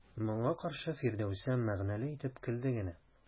Моңа каршы Фирдәүсә мәгънәле итеп көлде генә.